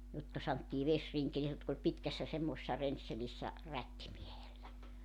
jotka sanottiin vesrinkeli jotka oli pitkässä semmoisessa rensselissä rättimiehellä